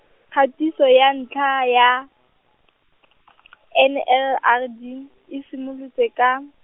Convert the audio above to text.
kgatiso ya ntlha ya , N L R D, e simolotswe ka.